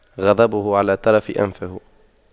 غضبه على طرف أنفه